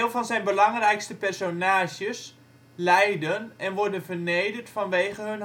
van zijn belangrijkste personages lijden en worden vernederd vanwege